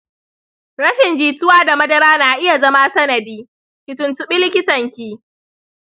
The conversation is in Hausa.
rashin jituwa da madara na iya zama sanadi; ki tuntubi likitanki.